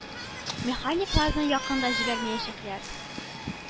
Механикларны якын да җибәрмәячәкләр.